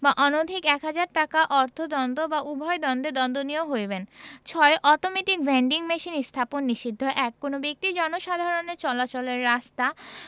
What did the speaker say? বা অনধিক এক হাজার টাকা অর্থদন্ড বা উভয় দন্ডে দন্ডনীয় হইবেন ৬ অটোমেটিক ভেন্ডিং মেশিন স্থাপন নিষিদ্ধঃ ১ কোন ব্যক্তি জনসাধারণের চলাচলের রাস্তা